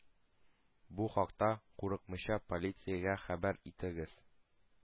Бу хакта, курыкмыйча, полициягә хәбәр итегез: